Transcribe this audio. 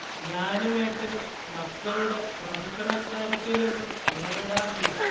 ഞാനും ഏട്ടനും മക്കളുടെ പ്രൊഫഷണൽ കാര്യത്തിലൊന്നും ഇടപെടാറില്ല